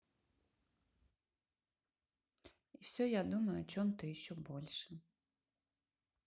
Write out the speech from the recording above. и все я думаю о чем то еще больше